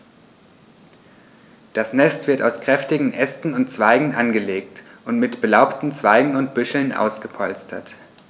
Das Nest wird aus kräftigen Ästen und Zweigen angelegt und mit belaubten Zweigen und Büscheln ausgepolstert.